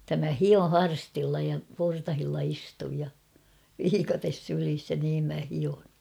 että minä hion harstilla ja portailla istun ja viikate sylissä ja niin minä hion